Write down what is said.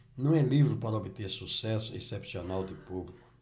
não é livro para obter sucesso excepcional de público